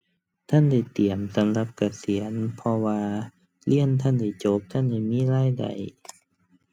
ทันได้เตรียมสำหรับเกษียณ เพราะว่าเรียนทันได้จบ ทันได้มีรายได้